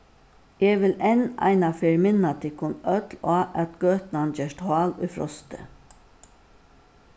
eg vil enn eina ferð minna tykkum øll á at gøtan gerst hál í frosti